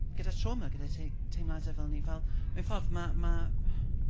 gyda trauma. Gyda tei- teimladau fel 'ny. Fel mewn ffordd ma- ma'...